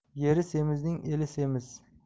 yeri semizning eli semiz